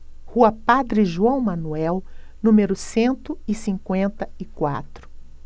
rua padre joão manuel número cento e cinquenta e quatro